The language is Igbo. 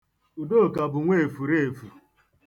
Udoka bụ nwa efereefu.